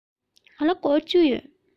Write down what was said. ང ལ སྒོར བཅུ ཡོད